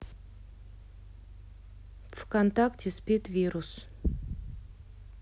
вконтакте спид вирус